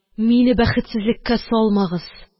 Мине бәхетсезлеккә салмагыз